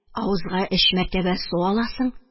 Авызга өч мәртәбә су аласың